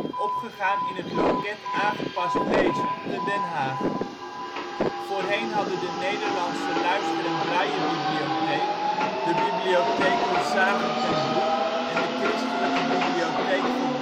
opgegaan in het Loket aangepast-lezen te Den Haag. Voorheen hadden de Nederlandse Luister - en Braillebibliotheek (NLBB), de bibliotheek Le Sage ten Broek (LSB) en de Christelijke Bibliotheek voor